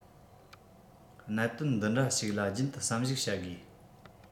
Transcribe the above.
གནད དོན འདི འདྲ ཞིག ལ རྒྱུན དུ བསམ གཞིགས བྱ དགོས